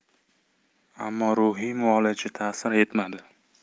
ammo ro'hiy muolaja ta'sir etmadi